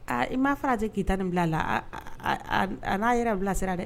Aa i m maa fɔrajɛ k'iyita ni bila a la a n'a yɛrɛ bilasira dɛ